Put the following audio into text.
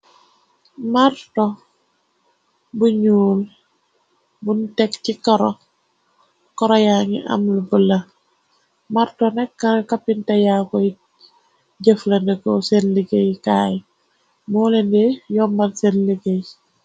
Marto bu ñuul bun teg ci koroya ngi amlu bëla marto nekka kappinteya koy jëflande ko sen liggéeykaay moolende yombar sen liggéey.